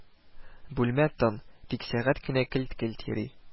Бүлмә тын, тик сәгать кенә келт-келт йөри